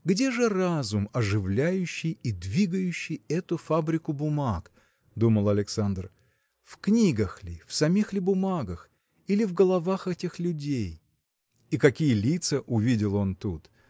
Где же разум, оживляющий и двигающий эту фабрику бумаг? – думал Александр – в книгах ли в самих ли бумагах или в головах этих людей? И какие лица увидел он тут!